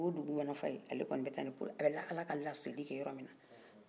dugu wo dugu mana f'a ye ale kɔni bɛta ka ala ka laseli kɛ yɔrɔ min na